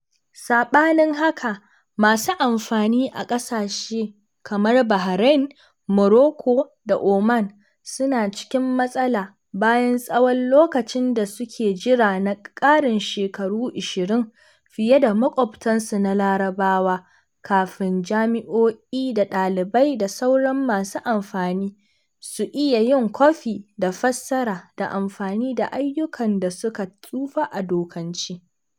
Saɓanin haka, masu amfani a ƙasashe kamar Bahrain, Morocco, da Oman suna cikin matsala bayan tsawon lokacin da suke jira na ƙarin shekaru 20 fiye da maƙwabtansu na Larabawa kafin jami’o’i da ɗalibai da sauran masu amfani su iya yin kwafi da fassara da amfani da ayyukan da suka tsufa a dokance.